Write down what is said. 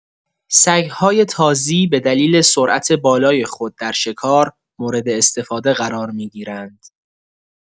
سگ‌های تازی به دلیل سرعت بالای خود در شکار مورداستفاده قرار می‌گیرند.